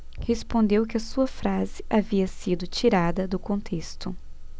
respondeu que a sua frase havia sido tirada do contexto